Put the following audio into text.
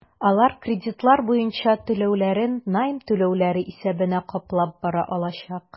Алар кредитлар буенча түләүләрен найм түләүләре исәбенә каплап бара алачак.